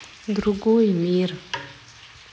другой мир